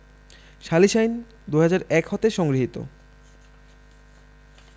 সালিস আইন ২০০১ হতে সংগৃহীত